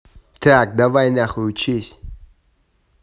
так давай нахуй учись